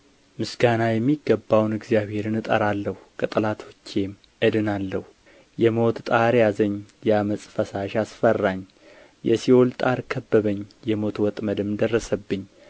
ምስጋና የሚገባውን እግዚአብሔርን እጠራለሁ ከጠላቶቼም እድናለሁ የሞት ጣር ያዘኝ የዓመፅ ፈሳሽም አስፈራኝ የሲኦል ጣር ከበበኝ የሞት ወጥመድም ደረሰብኝ